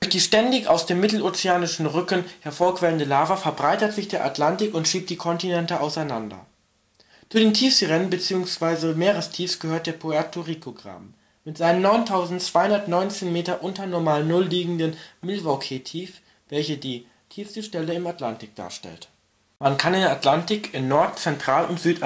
die ständig aus dem Mittelozeanischen Rücken hervorquellende Lava verbreitert sich der Atlantik und schiebt die Kontinente auseinander. Zu den Tiefseerinnen bzw. Meerestiefs gehört der Puerto-Rico-Graben mit seiner 9.219 m unter NN liegenden Milwaukeetief, welche die tiefste Stelle des Atlantiks darstellt. Man kann den Atlantik in Nord -, Zentral - und Südatlantik